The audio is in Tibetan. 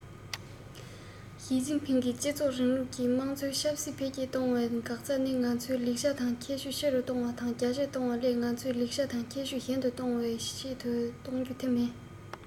ཞིས ཅིན ཕིང གིས སྤྱི ཚོགས རིང ལུགས ཀྱི དམངས གཙོ ཆབ སྲིད འཕེལ རྒྱས གཏོང བའི འགག རྩ ནི ང ཚོའི ལེགས ཆ དང ཁྱད ཆོས ཆེ རུ གཏོང བ དང རྒྱ ཆེར གཏོང བ ལས ང ཚོའི ལེགས ཆ དང ཁྱད ཆོས ཞན དུ གཏོང བ དང ཆུང དུ གཏོང རྒྱུ དེ མིན